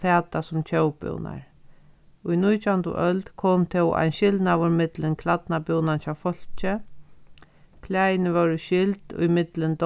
fatað sum tjóðbúnar í nítjandu øld kom tó ein skilnaður millum klædnabúnan hjá fólki klæðini vóru skild í millum